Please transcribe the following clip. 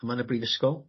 yma yn y brifysgol